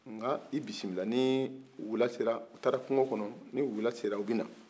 nga e bisimila n'i wula sera u taara kungo kɔnɔ ni wula sera u bɛ na